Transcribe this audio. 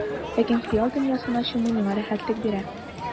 Ләкин хыял дәрьясына чуму миңа рәхәтлек бирә.